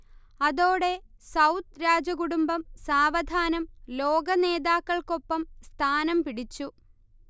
അതോടെ സൗദ് രാജകുടുംബം സാവധാനം ലോക നേതാക്കൾക്കൊപ്പം സ്ഥാനം പിടിച്ചു